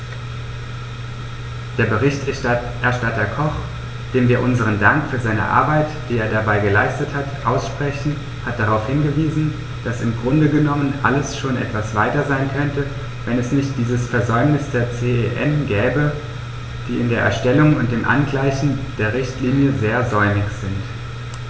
Der Berichterstatter Koch, dem wir unseren Dank für seine Arbeit, die er dabei geleistet hat, aussprechen, hat darauf hingewiesen, dass im Grunde genommen alles schon etwas weiter sein könnte, wenn es nicht dieses Versäumnis der CEN gäbe, die in der Erstellung und dem Angleichen der Richtlinie sehr säumig sind.